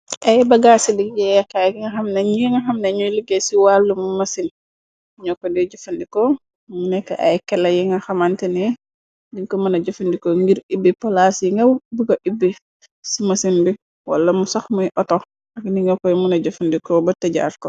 Ay bagaar ci liggee kaay ki nga xamnañi nga xam nañuy liggéey ci wàllu mu mësin, ño ko di jëfandikoo, mu nekk ay kela yi nga xamantene, dinko mëna jëfandikoo ngir ibbi polaas yi nga buga ibb, ci mësin bi wala mu sax muy otox, ak ninga koy muna jëfandikoo ba tëjaatko.